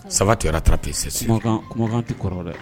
ça va te rattrapper, c'est sûr kumakan kumakan tɛ kɔrɔ dɛ